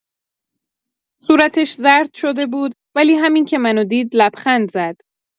صورتش زرد شده بود، ولی همین که منو دید، لبخند زد.